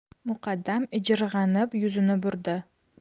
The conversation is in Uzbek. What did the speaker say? muqaddam ijirg'anib yuzini burdi